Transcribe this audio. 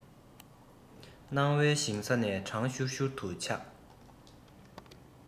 སྣང བའི ཞིང ས ནས གྲང ཤུར ཤུར དུ ཆག